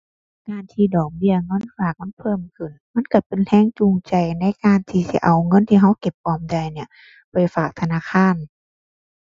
งานที่ดอกเบี้ยเงินฝากมันเพิ่มขึ้น มันก็เป็นก็จูงใจในการที่สิเอาเงินที่ก็เก็บออมได้เนี่ย ไปฝากธนาคาร